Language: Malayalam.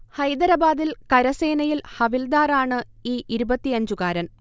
ഹൈദരബാദിൽ കരസനേയിൽ ഹവിൽദാർ ആണ് ഈ ഇരുപത്തിയഞ്ചുകാരൻ